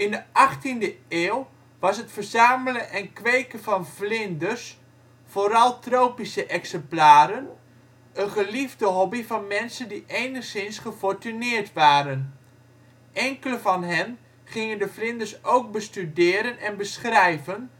de achttiende eeuw was het verzamelen en kweken van vlinders, vooral tropische exemplaren, een geliefde hobby van mensen die enigszins gefortuneerd waren. Enkele van hen gingen de vlinders ook bestuderen en beschrijven